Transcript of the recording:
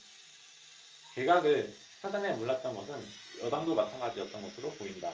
개각을 사전에 몰랐던 것은 여당도 마찬가지 였던 것으로 보인다